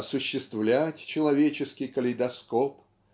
осуществлять человеческий калейдоскоп.